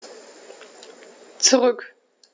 Zurück.